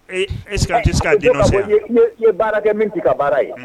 Ee ayise tɛ den parce que ye baara kɛ min kɛ ka baara ye